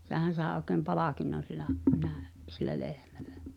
sehän sai oikein palkinnon sillä - sillä lehmällä